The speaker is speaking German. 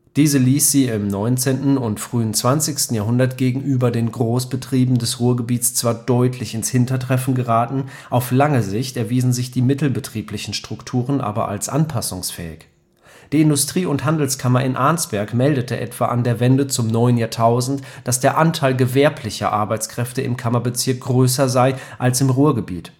Diese ließ sie im 19. und frühen 20. Jahrhundert gegenüber den Großbetrieben des Ruhrgebiets zwar deutlich ins Hintertreffen geraten, auf lange Sicht erwiesen sich die mittelbetrieblichen Strukturen aber als anpassungsfähig. Die Industrie - und Handelskammer in Arnsberg meldete etwa an der Wende zum neuen Jahrtausend, dass der Anteil gewerblicher Arbeitskräfte im Kammerbezirk größer sei als im Ruhrgebiet